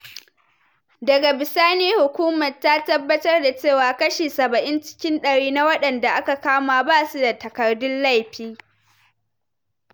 Daga bisani hukumar ta tabbatar da cewar kashi 70 cikin dari na waɗanda aka kama ba su da takardun laifi.